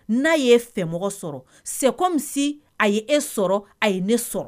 N'a ye fɛn sɔrɔ sɛko misi a ye e sɔrɔ a ye ne sɔrɔ